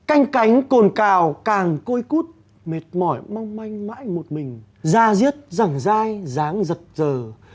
canh cánh cồn cào càng côi cút mệt mỏi mong manh mãi một mình da diết giẳng dai dáng giật dờ